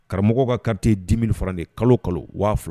Karamɔgɔw k carte ye 10.000 franc kalo o kalo wa fila.